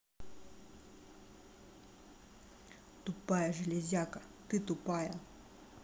тупая железяка ты тупая